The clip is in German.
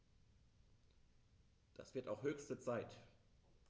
Das wird auch höchste Zeit!